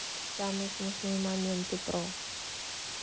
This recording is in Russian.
самые смешные моменты про